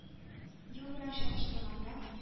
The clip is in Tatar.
Ел белән чагыштырганда